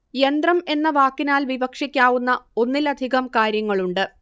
യന്ത്രം എന്ന വാക്കിനാൽ വിവക്ഷിക്കാവുന്ന ഒന്നിലധികം കാര്യങ്ങളുണ്ട്